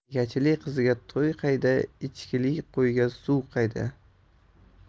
egachili qizga to'y qayda echkili qo'yga suv qayda